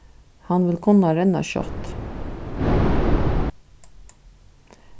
hann vil kunna renna skjótt